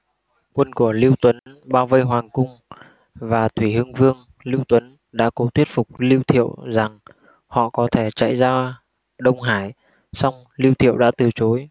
quân của lưu tuấn bao vây hoàng cung và thủy hưng vương lưu tuấn đã cố thuyết phục lưu thiệu rằng họ có thể chạy ra đông hải song lưu thiệu đã từ chối